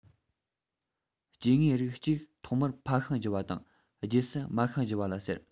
སྐྱེ དངོས རིགས གཅིག ཐོག མར ཕ ཤིང བགྱི བ དང རྗེས སུ མ ཤིང བགྱི བ ལ ཟེར